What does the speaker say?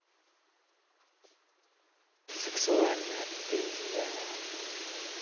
сексуальная пизда